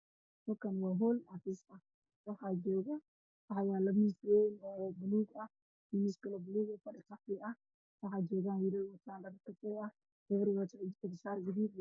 Hal kaani waa hool cadeys ah waxaa yaalo miis weyn oo buluug ah